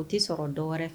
U tɛ sɔrɔ dɔw wɛrɛ